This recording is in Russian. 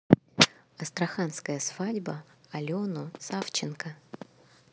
астраханская свадьба алену савченко